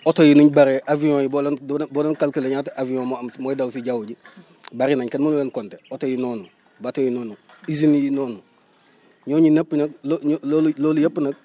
oto yi ni ñu bëree avions yi boo leen boo doon boo doon calculer ñaata avions moo am mooy daw si jaww ji bëri nañ kenn mënu leen compter oto yi noonubateaux yi noonu usines yi noonu ñooñu ñëpp nag ñu loolu loolu yëpp nag